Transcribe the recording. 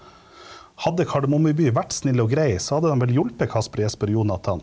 hadde Kardemomme by vært snill og grei så hadde dem vel hjulpet Kasper og Jesper og Jonatan.